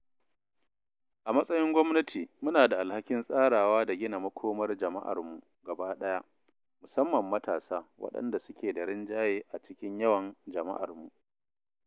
A matsayin gwamnati, muna da alhakin tsarawa da gina makomar jama'armu gabaɗaya, musamman matasa, waɗanda suke da rinjaye a cikin yawan jama'armu.